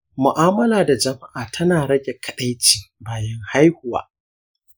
mu’amala da jama’a tana rage kaɗaici bayan haihuwa.